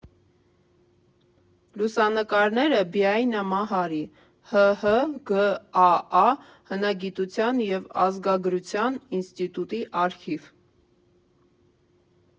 Լուսանկարները՝ Բիայնա Մահարի, ՀՀ ԳԱԱ հնագիտության և ազգագրության ինստիտուտի արխիվ։